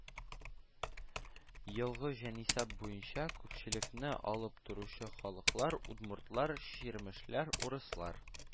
Елгы җанисәп буенча күпчелекне алып торучы халыклар: удмуртлар , чирмешләр , урыслар